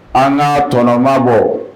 An ka tɔnɔmabɔ